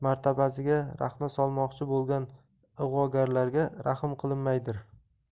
martabasiga raxna solmoqchi bo'lgan ig'vogarlarga rahm qilinmaydir